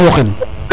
o woqin